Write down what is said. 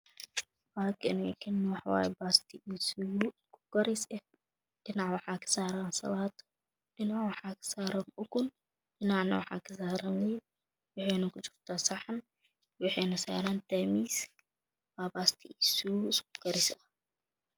Waa kane kana waxa waaye baasto iyo suugo oo isku karis ah dhinac waxaa kasaraan sabaayad dhinac waxaa kasaaran ukun dhinacna waxaa kasaaran liin waxayna kujirtaa saxan waxayna sarantahay miis waana baasto iyo suugo isku karis ah